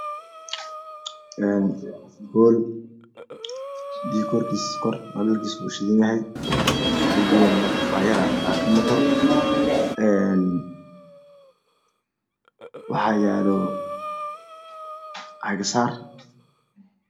Hool iyo kor nanalkiisu uu shidan yahy